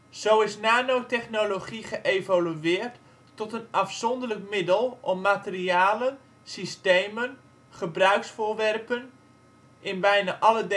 Zo is nano-technologie geëvolueerd tot een uitzonderlijk middel om materialen, systemen, gebruiksvoorwerpen in bijna alle